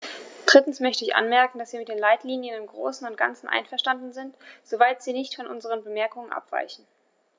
Drittens möchte ich anmerken, dass wir mit den Leitlinien im großen und ganzen einverstanden sind, soweit sie nicht von unseren Bemerkungen abweichen.